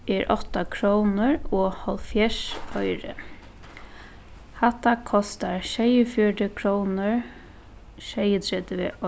er átta krónur og hálvfjerðs oyru hatta kostar sjeyogfjøruti krónur sjeyogtretivu